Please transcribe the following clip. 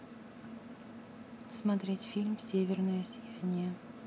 смотреть фильм северное сияние